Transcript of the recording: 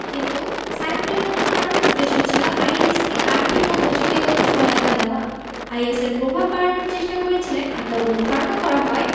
কিন্তু সাইফুলের মতো তারও উদ্দেশ্য ছিল আইএস কে আর্থিক ও প্রযুক্তিগত সহায়তা দেওয়া আইএসের প্রভাব বাড়ানোর চেষ্টা করছিলেন আতাউল ধারণা করা হয়